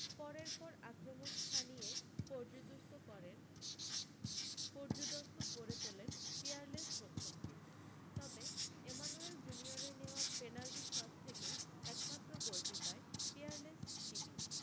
পরের পর আক্রমণ শানিয়ে পর্যুদুস্ত করেন পর্যুদস্ত করে তোলেন পিয়ারলেস রক্ষণকে তবে এম্যানুয়েল জুনিয়রের নেওয়া পেনাল্টি শট থেকেই একমাত্র গোলটি পায় পিয়ারলেস শিবির